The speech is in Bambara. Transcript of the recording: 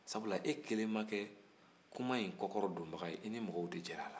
sabula e kelen ma kɛ kuma in kɔkɔrɔdonbaga ye i ni mɔgɔw de jɛra a la